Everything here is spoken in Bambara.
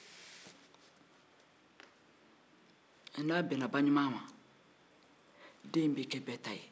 n'a bɛnna baɲuman ma den bɛ k bɛɛ ta ye